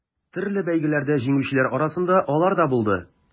Төрле бәйгеләрдә җиңүчеләр арасында алар да булды.